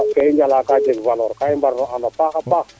ke i njala ka jeg valeur fat i andin a paxa paax